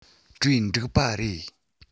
གྲོས འགྲིག པ རེད